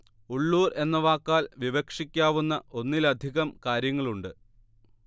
ഉള്ളൂർ എന്ന വാക്കാൽ വിവക്ഷിക്കാവുന്ന ഒന്നിലധികം കാര്യങ്ങളുണ്ട്